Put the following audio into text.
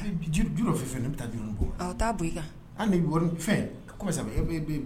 Ji dɔɔni fɛn fɛn dɛ n bɛ taa ji bon nka, awɔ, taa bon i kan, Ami ɛɛ, comment ça veut ɛɛ fɛn